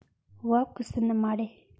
བབ གི སུན ནི མ རེད